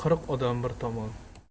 qirq odam bir tomon